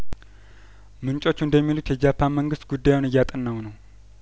ምንጮቹ እንደሚሉት የጃፓን መንግስት ጉዳዩን እያጠናው ነው